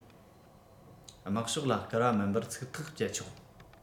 དམག ཕྱོགས ལ བསྐུར བ མིན པར ཚིག ཐག བཅད ཆོག